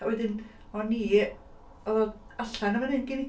A wedyn o'n i... oedd o allan yn fan hyn gen i!